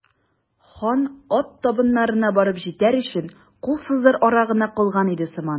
Хан ат табыннарына барып җитәр өчен кул сузыр ара гына калган иде сыман.